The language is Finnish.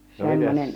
no mitäs